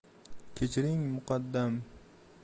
kechiring muqaddam dedi